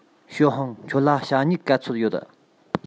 ཞའོ ཧུང ཁྱོད ལ ཞྭ སྨྱུག ག ཚོད ཡོད